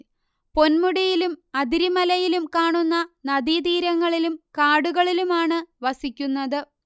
പൊന്മുടിയിലും അതിരിമലയിലും കാണുന്ന നദീതീരങ്ങളിലും കാടുകളിലുമാണ് വസിക്കുനത്